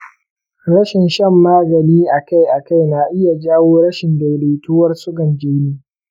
rashin shan magani a kai a kai na iya jawo rashin daidaituwar sugan jini.